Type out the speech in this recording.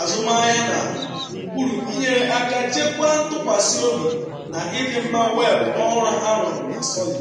azụmahịa na gburugburu inyere aka chekwaa ntụkwasị obi na ịdị mma weebu ọhụrụ ahụ arụrụ na Solid.”